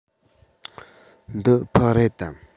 འདི ཕག རེད དམ